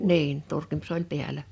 niin - se oli päällä